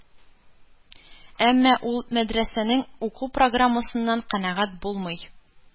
Әмма ул мәдрәсәнең уку программасыннан канәгать булмый,